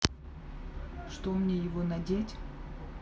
что мне его надеть